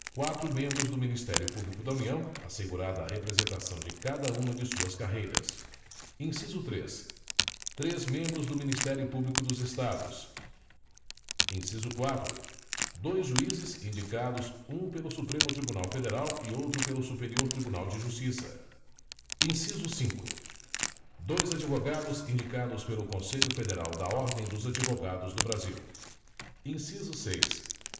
quatro membros do ministério público da união assegurada a representação de cada uma de suas carreiras inciso três três membros do ministério público dos estados inciso quatro dois juízes indicados um pelo supremo tribunal federal e outro pelo superior tribunal de justiça inciso cinco dois advogados indicados pelo conselho federal da ordem dos advogados do brasil inciso seis